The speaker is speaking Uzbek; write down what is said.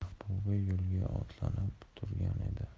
mahbuba yo'lga otlanib turgan edi